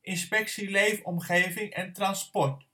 Inspectie Leefomgeving en Transport